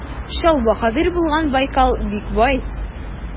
Чал баһадир булган Байкал бик бай.